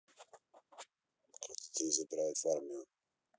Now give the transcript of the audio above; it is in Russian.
как детей забирают в армию